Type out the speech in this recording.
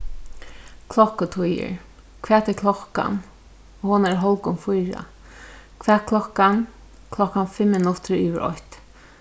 klokkutíðir hvat er klokkan hon er hálvgum fýra hvat klokkan klokkan fimm minuttir yvir eitt